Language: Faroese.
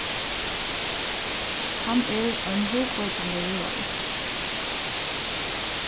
hann er ein hugkveikjandi røðari